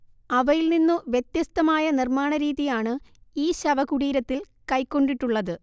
അവയിൽനിന്നു വ്യത്യസ്തമായ നിർമ്മാണരീതിയാണ് ഈ ശവകുടീരത്തിൽ കൈക്കൊണ്ടിട്ടുള്ളത്